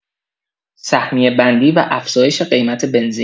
سهمیه‌بندی و افزایش قیمت بنزین